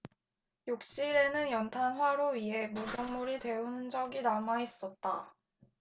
욕실에는 연탄 화로 위에 목욕물이 데운 흔적이 남아있었다